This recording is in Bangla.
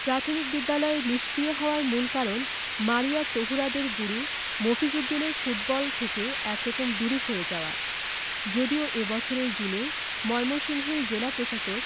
প্রাথমিক বিদ্যালয় নিষ্ক্রিয় হওয়ার মূল কারণ মারিয়া তহুরাদের গুরু মফিজ উদ্দিনের ফুটবল থেকে একরকম দূরে সরে যাওয়া যদিও এ বছরের জুনে ময়মনসিংহের জেলা প্রশাসক